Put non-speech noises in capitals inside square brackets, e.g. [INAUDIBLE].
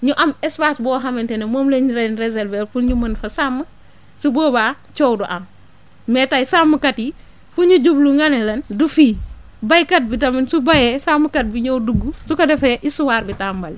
ñu am espace boo xamante ne moom lañ leen réserver pour ñu [NOISE] mën fa sàmm su boobaa coow du am mais tey sàmmkat yi fu ñu jublu nga ne leen du fii baykat bi tamit su bayee [NOISE] sàmmkat bi ñëw dugg [NOISE] su ko defee histoire bi tàmbali